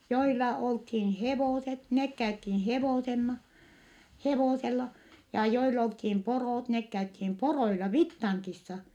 joilla oltiin hevoset ne käytiin - hevosella ja joilla oltiin porot ne käytiin poroilla Vittangissa